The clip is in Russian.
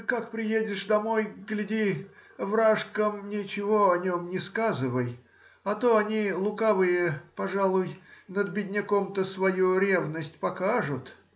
как приедешь домой, гляди, вражкам ничего о нем не сказывай, а то они, лукавые, пожалуй, над бедняком-то свою ревность покажут.